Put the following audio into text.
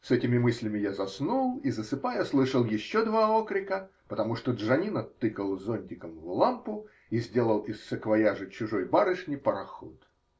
С этими мыслями я заснул и, засыпая, слышал еще два окрика, потому что Джаннино тыкал зонтиком в лампу и сделал из саквояжа чужой барышни пароход.